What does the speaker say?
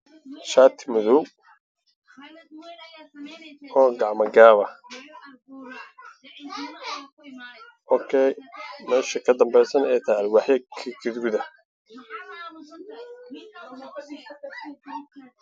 Shaati madow oo gacmo gaab ah meesha ka dambeso alwaaxyo guduud ah